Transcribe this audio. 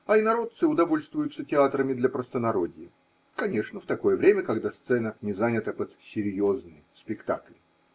А инородцы удовольствуются теа трами для простонародья – конечно, в такое время, когда сцена не занята под серьезные спектакли.